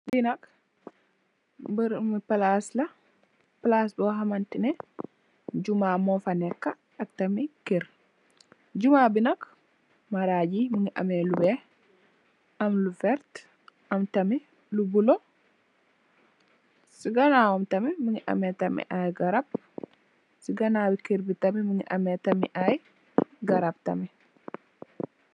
Fii nak, bërëbu palaasi...palaas boo xamante nii, jumaa moo fa neeka, ak tamit kër, jumaa bi nak, maraaj yi mu ngi am, lu weex, am lu werta, am tamit, lu bulo, si ganaaw tamit, ñu ngi amee ay garab, si ganaawi kër ki tam mu ngi amee ay garab tamit.